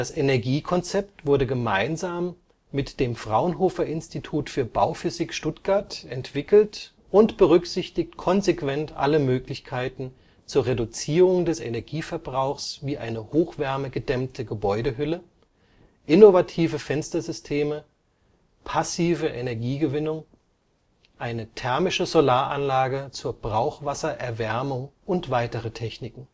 Energiekonzept wurde gemeinsam mit dem Fraunhofer-Institut für Bauphysik, Stuttgart, entwickelt und berücksichtigt konsequent alle Möglichkeiten zur Reduzierung des Energieverbrauchs wie eine hochwärmegedämmte Gebäudehülle, innovative Fenstersysteme, passive Energiegewinnung, eine thermische Solaranlage zur Brauchwassererwärmung und weitere Techniken